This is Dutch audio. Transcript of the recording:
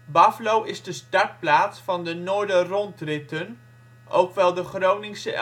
Baflo is de startplaats van de Noorder Rondritten, ook wel de " Groningse